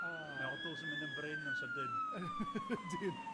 o! Mae odls yn mynd yn brin yn sydyn. Ydyn.